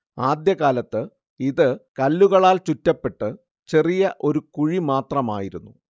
ആദ്യ കാലത്ത് ഇത് കല്ലുകളാൽ ചുറ്റപ്പെട്ട് ചെറിയ ഒരു കുഴി മാത്രമായിരുന്നു